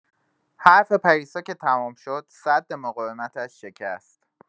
حرف پریسا که تمام شد، سد مقاومتش شکست.